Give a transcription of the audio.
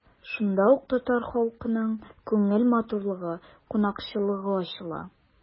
Шунда ук татар халкының күңел матурлыгы, кунакчыллыгы ачыла.